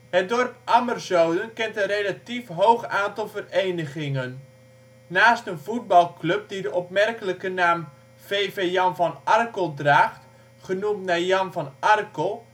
Het dorp Ammerzoden kent een relatief hoog aantal verenigingen. Naast een voetbalclub die de opmerkelijke naam v.v. Jan van Arckel draagt - genoemd naar Jan van Arckel